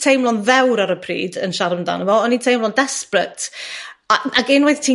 teimlo'n ddewr ar y pryd yn siarad amdano fo, o'n i'n teimlo'n desperate. A ag unwaith ti'n